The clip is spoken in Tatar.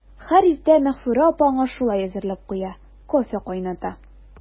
Һәр иртә Мәгъфүрә апа аңа шулай әзерләп куя, кофе кайната.